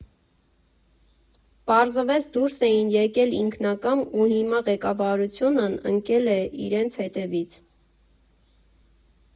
Պարզվեց՝ դուրս էին եկել ինքնակամ ու հիմա ղեկավարությունն ընկել էր իրենց հետևից։